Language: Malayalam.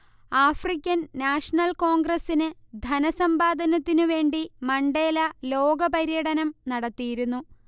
ആഫ്രിക്കൻ നാഷണൽ കോൺഗ്രസ്സിന് ധനസമ്പാദനത്തിനു വേണ്ടി മണ്ടേല ലോകപര്യടനം നടത്തിയിരുന്നു